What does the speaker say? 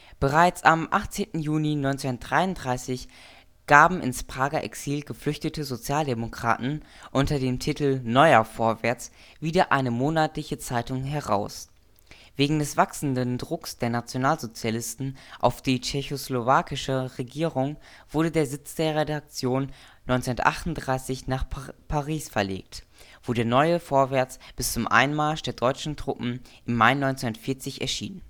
Bereits am 18. Juni 1933 gaben ins Prager Exil geflüchtete Sozialdemokraten unter dem Titel Neuer Vorwärts wieder eine monatliche Zeitung heraus. Wegen des wachsenden Drucks der Nationalsozialisten auf die tschechoslowakische Regierung wurde der Sitz der Redaktion 1938 nach Paris verlegt, wo der Neue Vorwärts bis zum Einmarsch der deutschen Truppen im Mai 1940 erschien